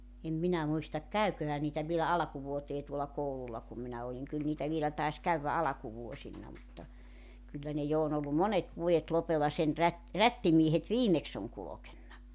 en minä muista käviköhän niitä vielä alkuvuoteen tuolla koululla kun minä olin kyllä niitä vielä taisi käydä alkuvuosina mutta kyllä ne jo on ollut monet vuodet lopella sen - rättimiehet viimeksi on kulkenut